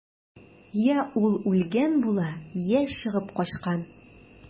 Йә ул үлгән була, йә чыгып качкан.